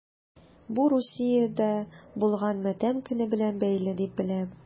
Бу Русиядә булган матәм көне белән бәйле дип беләм...